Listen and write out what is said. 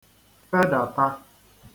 fedàta